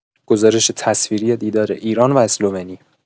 گزارش تصویری دیدار ایران و اسلوونی